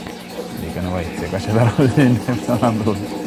Mae ddigon o waith trio heb sôn am ddwy.